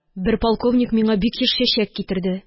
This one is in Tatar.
Бер полковник миңа бик еш чәчәк китерде